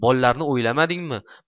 bollarni o'ylamadingmi